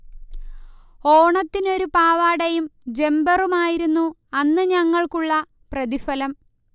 ഓണത്തിനൊരു പാവാടയും ജംബറുമായിരുന്നു അന്നു ഞങ്ങൾക്കുള്ള പ്രതിഫലം